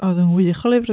Oedd o'n wych o lyfr.